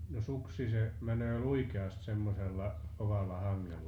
no suksi se menee luikeasti semmoisella kovalla hangella